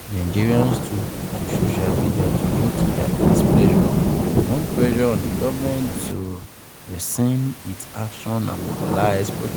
Nigerians took to social media to note their displeasure, mount pressure on the government to rescind its action and mobilize protests: